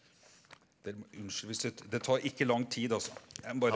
dere må unnskyld hvis det det tar ikke lang tid altså jeg må bare.